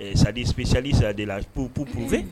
Ee c'est à dire spécialiste de la pour prouver